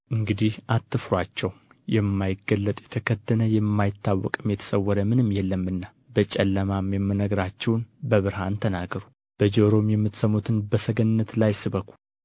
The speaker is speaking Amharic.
እንግዲህ አትፍሩአቸው የማይገለጥ የተከደነ የማይታወቅም የተሰወረ ምንም የለምና በጨለማ የምነግራችሁን በብርሃን ተናገሩ በጆሮም የምትሰሙትን በሰገነት ላይ ስበኩ